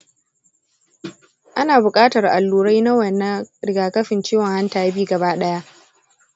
ana bukatar allurai nawa na rigakafin ciwon hanta b gaba ɗaya?